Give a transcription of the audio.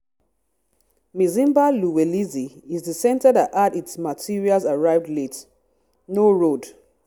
# Mzimba Luwelezi is the centre that had its materials arrive late – no road.